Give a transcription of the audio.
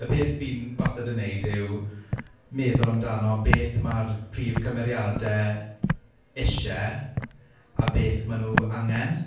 Y peth fi'n wastad yn wneud yw meddwl amdano beth ma'r prif cymeriadau isie a beth maen nhw angen.